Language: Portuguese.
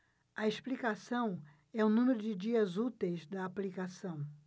a explicação é o número de dias úteis da aplicação